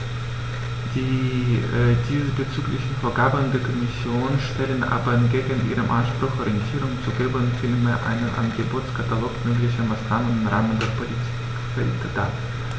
Die diesbezüglichen Vorgaben der Kommission stellen aber entgegen ihrem Anspruch, Orientierung zu geben, vielmehr einen Angebotskatalog möglicher Maßnahmen im Rahmen der Politikfelder dar.